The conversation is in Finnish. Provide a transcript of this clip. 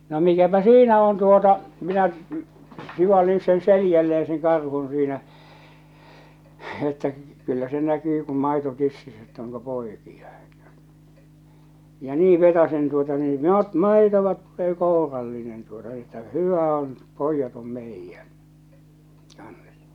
no mikäpä siinä on tuota minä sivalsin sen selälleen sen karhun siinä että kyllä se näkyy kun maito tississä että onko poikia ja niin vetäisen tuota niin no - maitoa tulee kourallinen tuota että hyvä on pojat on meidän kanssa